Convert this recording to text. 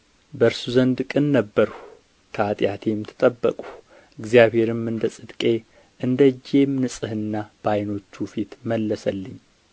በእርሱ ዘንድ ቅን ነበርሁ ከኃጢአቴም ተጠበቅሁ እግዚአብሔርም እንደ ጽድቄ እንደ እጄም ንጽሕና በዓይኖቹ ፊት መለሰልኝ